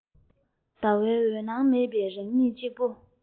ཟླ བའི འོད སྣང མེད པས རང ཉིད གཅིག པུ